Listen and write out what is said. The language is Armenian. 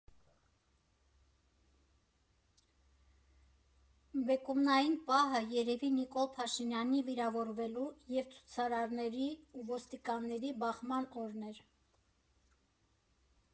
Բեկումնային պահը երևի Նիկոլ Փաշինյանի վիրավորվելու և ցուցարարների ու ոստիկանների բախման օրն էր։